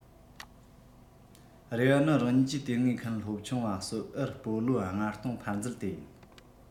རེ བ ནི རང ཉིད ཀྱིས དེ སྔའི མཁན སློབ ཆུང བ བསོད འར སྤོ ལོ ༥༠༠༠ ཕར འཛུལ དེ ཡིན